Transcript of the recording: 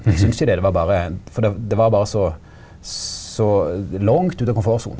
eg syntest ikkje det det var berre for det det var berre så så langt ute av komfortsona.